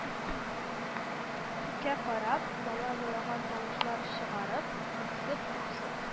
Күккә карап, бала елаган тавышлар чыгарып, үксеп-үксе